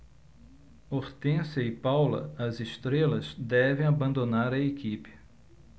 hortência e paula as estrelas devem abandonar a equipe